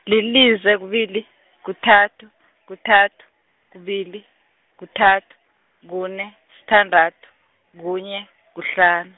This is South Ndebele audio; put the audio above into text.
lilize, kubili, kuthathu, kuthathu, kubili, kuthathu, kune, sithandathu, kunye, kuhlanu.